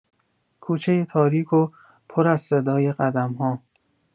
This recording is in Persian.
کوچه تاریک و پر از صدای قدم‌ها